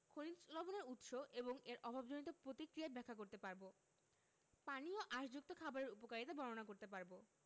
খনিজ লবণের উৎস এবং এর অভাবজনিত প্রতিক্রিয়া ব্যাখ্যা করতে পারব পানি ও আশযুক্ত খাবারের উপকারিতা বর্ণনা করতে পারব